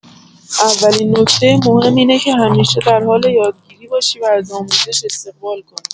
اولین نکته مهم اینه که همیشه در حال یادگیری باشی و از آموزش استقبال کنی.